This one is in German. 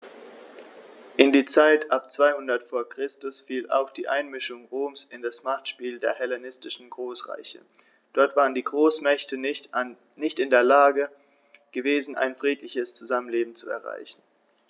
In die Zeit ab 200 v. Chr. fiel auch die Einmischung Roms in das Machtspiel der hellenistischen Großreiche: Dort waren die Großmächte nicht in der Lage gewesen, ein friedliches Zusammenleben zu erreichen.